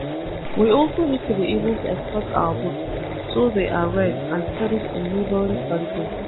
We also need to be able to export our books so they are read and studied in neighbouring countries.